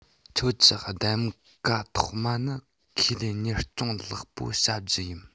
ཁྱོད ཀྱི གདམ ག ཐོག མ ནི ཁེ ལས གཉེར སྐྱོང ལེགས པོ བྱ རྒྱུ ཡིན